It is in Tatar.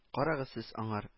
— карагыз сез аңар